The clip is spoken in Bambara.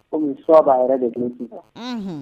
Kɔmi choix' _ b'a yɛrɛ de bolo sisan